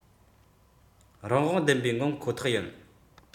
རང དབང ལྡན པའི ངང ཁོ ཐག ཡིན